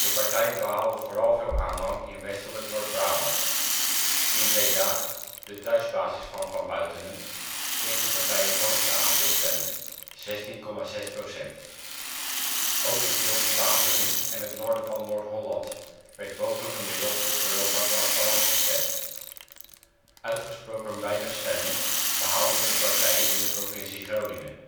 partij behaalde vooral veel aanhang in westelijk Noord-Brabant. In Breda, de thuisbasis van Van Buitenen, kreeg de partij het hoogste aandeel stemmen: 16,6 %. Ook in Zeeuws-Vlaanderen en het noorden van Noord-Holland werd bovengemiddeld op Europa Transparant gestemd. Uitgesproken weinig stemmen behaalde de partij in de provincie Groningen